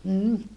mm